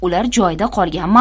ular joyida qolganmi